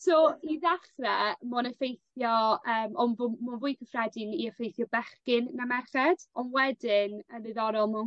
So i ddechre ma' o'n effeithio yym on' bo' m- ma' o fwy cyffredin i effeithio bechgyn na merched on' wedyn yn ddiddorol ma' o'n